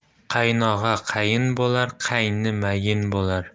qaynog'a qayin bo'lar qaynini mayin bo'lar